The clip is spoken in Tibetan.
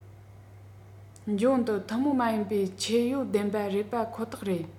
འབྱུང དུ ཐུན མོང མ ཡིན པའི ཁྱད ཡོན ལྡན པ རེད པ ཁོ ཐག རེད